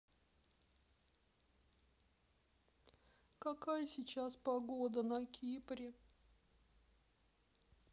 какая сейчас погода на кипре